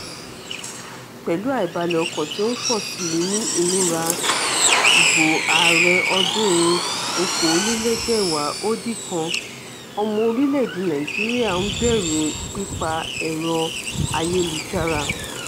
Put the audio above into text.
Pẹ̀lú àìbalẹ̀-ọkàn tí ó ń pọ̀ sí i ní ìmúra ìbò ààrẹ ọdún-un 2019, Ọmọ orílẹ̀-èdè Nàìjíríà ń bẹ̀rùu pípa ẹ̀rọ-ayélujára